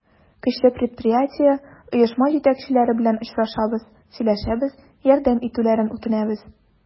Көчле предприятие, оешма җитәкчеләре белән очрашабыз, сөйләшәбез, ярдәм итүләрен үтенәбез.